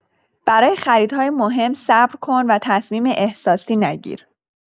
برای خریدهای مهم صبر کن و تصمیم احساسی نگیر.